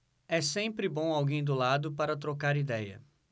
é sempre bom alguém do lado para trocar idéia